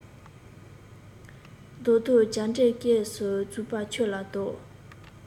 བཟློག བཟློག རྒྱ འདྲེ སྐྱེམས སུ བརྫུས པ ཁྱོད ལ བཟློག